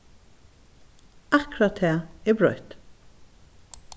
akkurát tað er broytt